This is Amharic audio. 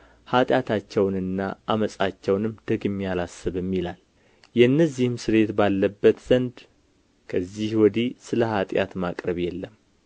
ኃጢአታቸውንና ዓመጻቸውንም ደግሜ አላስብም ይላል የእነዚህም ስርየት ባለበት ዘንድ ከዚህ ወዲህ ስለ ኃጢአት ማቅረብ የለም